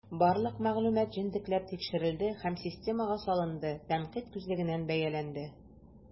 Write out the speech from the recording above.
Барлык мәгълүмат җентекләп тикшерелде һәм системага салынды, тәнкыйть күзлегеннән бәяләнде.